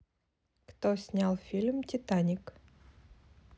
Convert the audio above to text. кто снял фильм титаник